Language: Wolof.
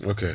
ok